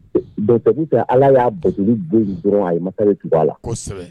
Bon c'est à dire que Ala y'a batoli bo ye dɔrɔɔn a ye masa de tug'a la kosɛbɛ